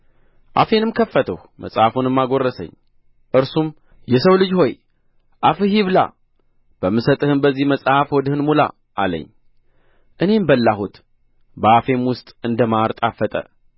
አፌንም ከፈትሁ መጽሐፉንም አጐረሰኝ እርሱም የሰው ልጅ ሆይ አፍህ ይብላ በምሰጥህም በዚህ መጽሐፍ ሆድህን ሙላ አለኝ እኔም በላሁት በአፌም ውስጥ እንደ ማር ጣፈጠ